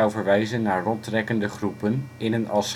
verwijzen naar rondtrekkende groepen in een als